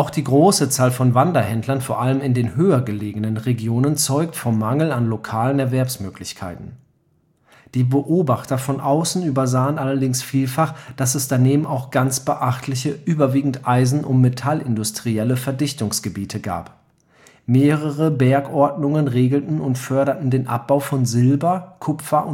die große Zahl von Wanderhändlern vor allem in den höher gelegenen Regionen zeugt vom Mangel an lokalen Erwerbsmöglichkeiten. Die Beobachter von außen übersahen allerdings vielfach, dass es daneben auch ganz beachtliche überwiegend eisen - und metallindustrielle Verdichtungsgebiete gab. Mehrere Bergordnungen regelten und förderten den Abbau von Silber, Kupfer